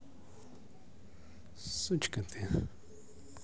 сучка ты